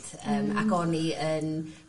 Yym ac o'n i yn